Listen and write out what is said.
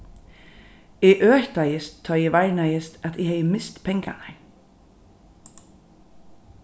eg øtaðist tá ið eg varnaðist at eg hevði mist pengarnar